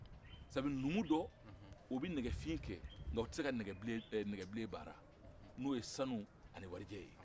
sa fɛ numu dɔ o bɛ nɛgefin kɛ nka o tɛ se ka nɛgɛbilen baara n'o ye sanu ani warijɛ ye